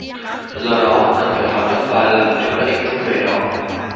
do đó cần phải phạt gấp vài lần chỗ lợi ích thu về đó